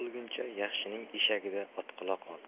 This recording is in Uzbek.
olguncha yaxshining eshagida otquloq ol